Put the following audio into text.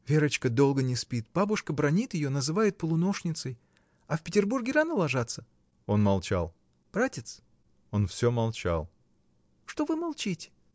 Верочка долго не спит: бабушка бранит ее, называет полунощницей. А в Петербурге рано ложатся? Он молчал. — Братец! Он всё молчал. — Что вы молчите?